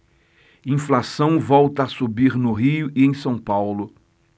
inflação volta a subir no rio e em são paulo